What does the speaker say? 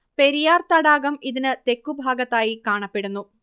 പെരിയാർ തടാകം ഇതിന് തെക്കു ഭാഗത്തായി കാണപ്പെടുന്നു